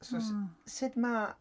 So os- sut ma'...